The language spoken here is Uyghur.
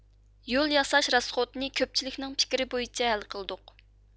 يول ياساش راسخوتىنى كۆپچىلىكنىڭ پىكىرى بويىچە ھەل قىلدۇق